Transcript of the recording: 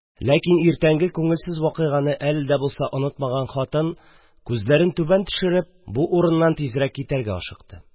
Ләкин иртәнге күңелсез вакыйганы әле дә булса онытмаган хатын, күзләрен түбән төшереп, бу урыннан тизрәк китәргә ашыкты.